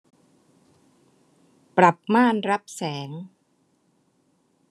ปรับม่านรับแสง